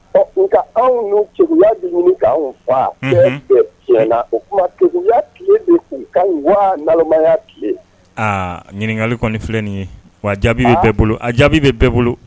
Ɔ nka anw dun kegunya bɛ ɲini ka anw faa, fɛn bɛɛ tiɲɛnna o tuma kegunya tile de tun ka ɲi wa nalonmanya tile, aa ɲininkakali kɔni filɛ nin ye wa jaabi bɛ bɛɛ bolo a jaabi bɛ bɛɛ bolo